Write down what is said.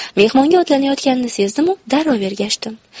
mehmonga otlanayotganini sezdimu darrov ergashdim